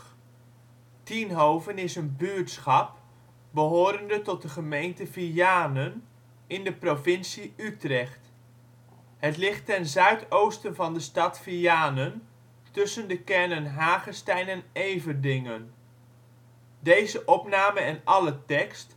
Tienhoven is een buurtschap behorende tot de gemeente Vianen, in de provincie Utrecht. Het ligt ten zuidoosten van de stad Vianen, tussen de kernen Hagestein en Everdingen. Plaatsen in de gemeente Vianen Stad: Vianen Dorpen: Everdingen · Hagestein · Hoef en Haag · Zijderveld Buurtschappen: Diefdijk · Helsdingen · Ossenwaard · Tienhoven Utrecht · Plaatsen in de provincie Nederland · Provincies · Gemeenten 51° 57 ' NB